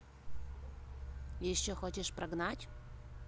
еще хочешь прогнать